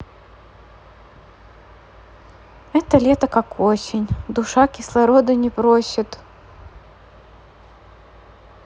это лето как осень душа кислорода не просит